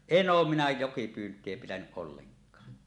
en ole minä jokipyyntiä pitänyt ollenkaan